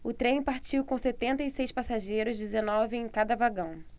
o trem partiu com setenta e seis passageiros dezenove em cada vagão